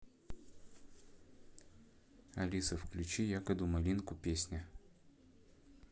алиса включи ягоду малинку песня